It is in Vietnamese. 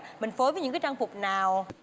mình phối với những cái trang phục nào